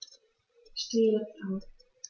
Ich stehe jetzt auf.